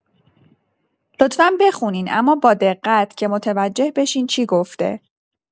لطفا بخونین اما با دقت که متوجه بشین چی گفته.